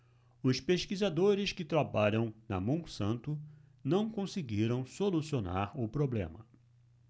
os pesquisadores que trabalham na monsanto não conseguiram solucionar o problema